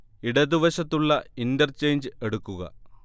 ഇടതുവശത്തുള്ള ഇന്റർചെയ്ഞ്ച് എടുക്കുക